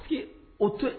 O to